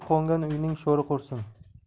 qo'ngan uyning sho'ri qurisin